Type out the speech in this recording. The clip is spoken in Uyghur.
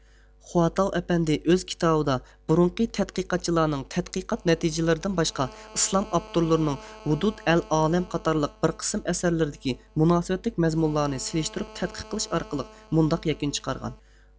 خۇا تاۋ ئەپەندى ئۆز كىتابىدا بۇرۇنقى تەتقىقاتچىلارنىڭ تەتقىقات نەتىجىلىرىدىن باشقا ئىسلام ئاپتورلىرىنىڭ ھودۇد ئەل ئالەم قاتارلىق بىر قىسىم ئەسەرلىرىدىكى مۇناسىۋەتلىك مەزمۇنلارنى سېلىشتۇرۇپ تەتقىق قىلىش ئارقىلىق مۇنداق يەكۈن چىقارغان